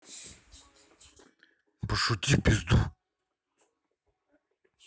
пошути пизду